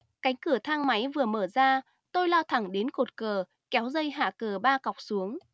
cánh cửa thang máy vừa mở ra tôi lao thẳng đến cột cờ kéo dây hạ cờ ba xọc xuống